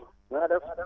na nga def